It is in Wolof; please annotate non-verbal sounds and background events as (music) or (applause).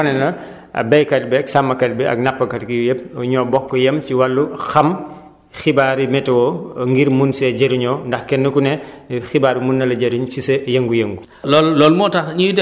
kon loolu am na solo kon loolu wane na béykat bi sàmmkat bi ak nappkat bi yëpp ñoo bokk yem ci wàllu xam xibaari météo ngir mun see jëriñoo ndax kenn ku ne (breath) xibaar bi mun na la jëriñ si sa yëngu-yëngu